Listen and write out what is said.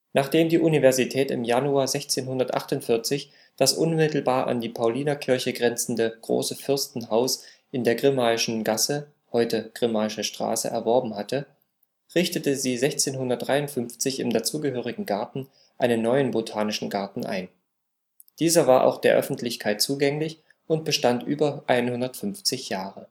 Nachdem die Universität im Januar 1648 das unmittelbar an die Paulinerkirche grenzende Große Fürstenhaus in der Grimmaischen Gasse (heute: Grimmaische Straße) erworben hatte, richtete sie 1653 im dazugehörigen Garten einen neuen Botanischen Garten ein. Dieser war auch der Öffentlichkeit zugänglich und bestand über 150 Jahre